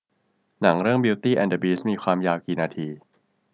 หนังเรื่องบิวตี้แอนด์เดอะบีสต์มีความยาวกี่นาที